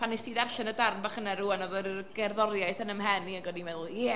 Pan wnest ti ddarllen y darn bach yna rŵan, oedd yr gerddoriaeth yn 'y mhen i, ac o'n i'n meddwl "ie".